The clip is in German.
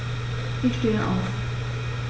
Ich stehe auf.